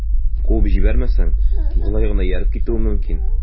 Куып җибәрмәсәң, болай гына ияреп китүем мөмкин...